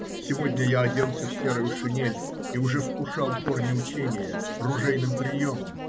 Сегодня я оделся в серую шинель и уже вкушал корни учения. ружейным приемам.